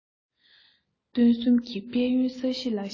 སྟོན གསུམ གྱི དཔལ ཡོན ས གཞི ལ ཤར དུས